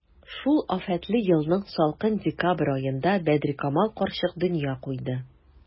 Шул афәтле елның салкын декабрь аенда Бәдрикамал карчык дөнья куйды.